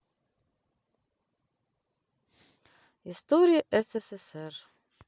истории ссср